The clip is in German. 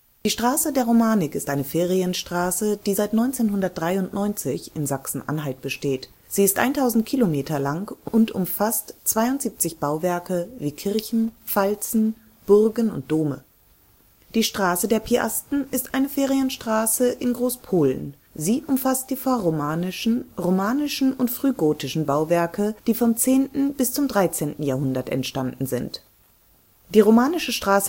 Die Straße der Romanik ist eine Ferienstraße, die seit 1993 in Sachsen-Anhalt besteht. Sie ist 1000 km lang und umfasst 72 Bauwerke wie Kirchen, Pfalzen, Burgen und Dome. Die Straße der Piasten ist eine Ferienstraße in Großpolen, Polen. Sie umfasst die vorromanischen, romanischen und frühgotischen Bauwerke, die in dem Kerngebiet der Polanen vom 10. bis zum 13. Jahrhundert entstanden sind. Die Romanische Straße